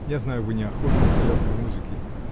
Я знаю, вы не охотник до легкой музыки.